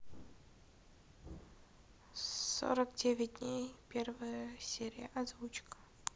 сорок девять дней первая серия озвучка